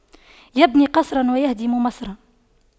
يبني قصراً ويهدم مصراً